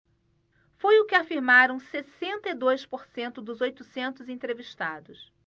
foi o que afirmaram sessenta e dois por cento dos oitocentos entrevistados